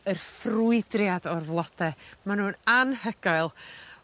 y ffrwydriad o'r flode ma' nw'n anhygoel.